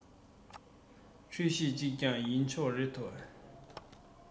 འགྲུལ བཞུད ཅིག ཀྱང ཡིན ཆོག རེད དེ